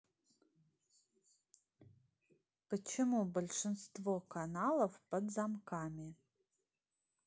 почему большинство каналов под замками